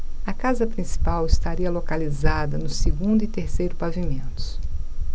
a casa principal estaria localizada no segundo e terceiro pavimentos